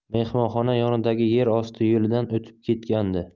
mehmonxona yonidagi yer osti yo'lidan o'tib ketgandi